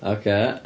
Ocê.